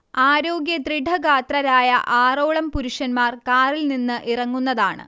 ആരോഗ്യദൃഡഗാത്രരായ ആറോളം പുരുഷന്മാർ കാറിൽ നിന്ന് ഇറങ്ങുന്നതാണ്